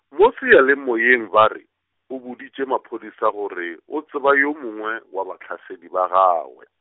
mo seyalemoyeng ba re, o boditše maphodisa gore, o tseba yo mongwe, wa bahlasedi ba gagwe.